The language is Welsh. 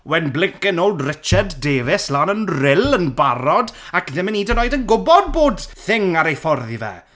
when blinking old Richard Davies lan yn Ryl yn barod ac ddim yn hyd yn oed yn gwybod bod thing ar ei ffordd i fe.